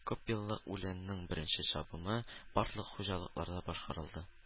Күпьеллык үләннең беренче чабымы барлык хуҗалыкларда башкарылды